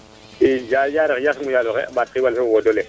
iyo wa Diareer yasam rogo yaaloxe ɓaat xiiwal fe fo o wodele